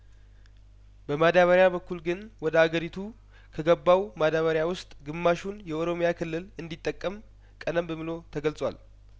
በማዳበሪያ በኩል ግን ወደ አገሪቱ ከገባው ማዳበሪያ ውስጥ ግማሹን የኦሮሚያ ክልል እንዲ ጠቀም ቀደም ብሎ ተገልጿል